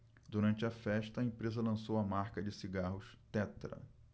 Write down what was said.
durante a festa a empresa lançou a marca de cigarros tetra